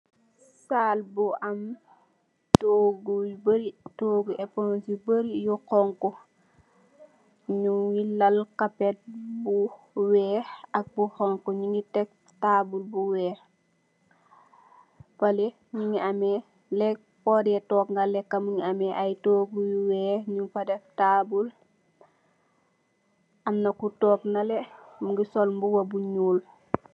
Sal bu am togu yu bari, togu epons yu bari yu xonxu. Ñu ngi lal capet bu weex, ak bu xonxu, ñu ngi tek tabule bu weex. Fale ñu ngi ame leg , fo deh tog nga leka mungi ame ay togu yu weex nyung fa def tabul am na ku toog nalè mungi sol mbuba bu ñul.